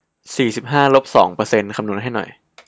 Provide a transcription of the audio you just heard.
สี่สิบห้าลบสองเปอร์เซนต์คำนวณให้หน่อย